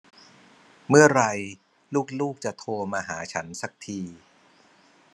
เมื่อไรลูกลูกจะโทรมาหาฉันซักที